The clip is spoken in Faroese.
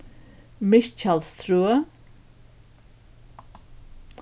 mikkjalstrøð